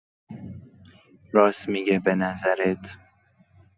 راس می‌گه به نظرت؟